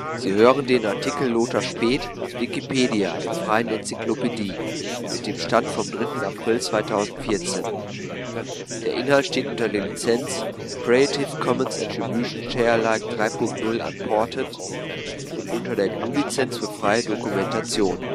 Sie hören den Artikel Lothar Späth, aus Wikipedia, der freien Enzyklopädie. Mit dem Stand vom Der Inhalt steht unter der Lizenz Creative Commons Attribution Share Alike 3 Punkt 0 Unported und unter der GNU Lizenz für freie Dokumentation